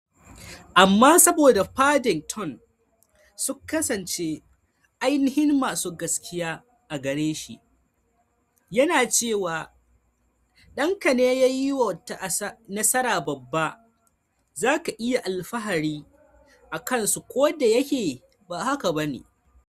"Amma saboda Paddington sun kasance ainihin masu gaskiya a gare shi, yana cewa danka ne yayi wata nasara babba: zaka yi alfahari akan su ko da yake ba haka bane ba.